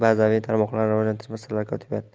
bazaviy tarmoqlarini rivojlantirish masalalari kotibiyati